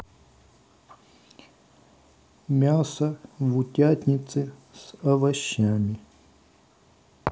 мясо в утятнице с овощами